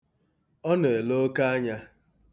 Ọ na-ele oke anya.